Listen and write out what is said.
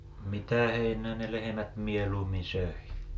mitä heinää ne lehmät mieluimmin söi